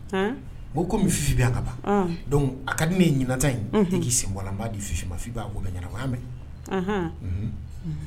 Han ŋo comme Fifi be yan kaban ɔnh donc a kadi ne ye ɲinan ta in unhun e k'i sen bɔ a la n b'a di Fifi ma Fifi b'a ko bɛ ɲɛnabɔ y'a mɛ anhaan unhun unh